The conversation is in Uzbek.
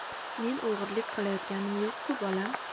men o'g'irlik qilayotganim yo'q ku bolam